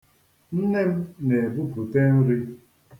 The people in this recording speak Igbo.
Nne m na-ebupute nri.